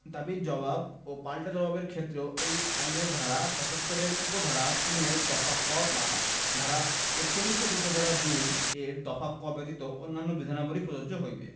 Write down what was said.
দাবীর জবাব ও পাল্টা জবাবের ক্ষেত্রেও এই আইনের ধারা ৩৫ এর উপ ধারা ৩ এর দফা ক বা ধারা ৪১ এর উপ ধারা ২ এর দফা ক ব্যতীত অন্যান্য বিধানাবলী প্রযোজ্য হইবে